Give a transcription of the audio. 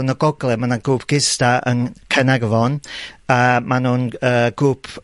yn y gogledd yn grŵp gisda yn Caernarfon, a ma' nw'n yy grŵp